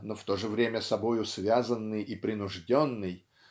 но в то же время собою связанный и принужденный